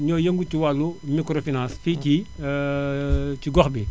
ñooy yëngu ci wàllu microfinance fii ci ci gox bi